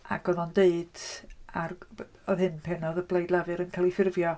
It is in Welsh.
Ac oedd o'n deud ar- oedd hyn pan oedd y Blaid Lafur yn cael ei ffurfio.